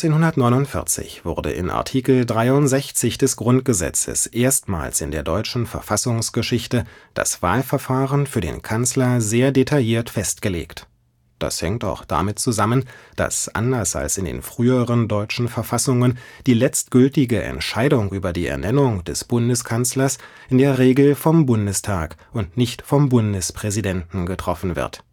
1949 wurde in Artikel 63 des Grundgesetzes erstmals in der deutschen Verfassungsgeschichte das Wahlverfahren für den Kanzler sehr detailliert festgelegt. Das hängt auch damit zusammen, dass anders als in den früheren deutschen Verfassungen die letztgültige Entscheidung über die Ernennung des Bundeskanzlers in der Regel vom Bundestag und nicht vom Bundespräsidenten getroffen wird